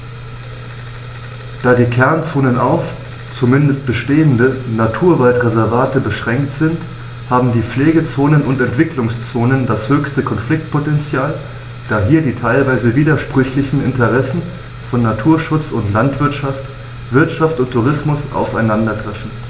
Da die Kernzonen auf – zumeist bestehende – Naturwaldreservate beschränkt sind, haben die Pflegezonen und Entwicklungszonen das höchste Konfliktpotential, da hier die teilweise widersprüchlichen Interessen von Naturschutz und Landwirtschaft, Wirtschaft und Tourismus aufeinandertreffen.